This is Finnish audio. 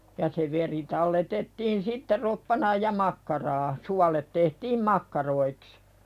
ja se veri talletettiin sitten roppanaan ja makkaraa suolet tehtiin makkaroiksi